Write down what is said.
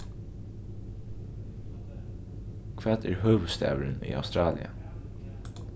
hvat er høvuðsstaðurin í australia